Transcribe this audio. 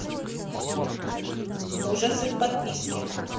ужасы в подписке